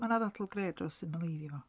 Ma' 'na ddadl gref dros symleiddio fo.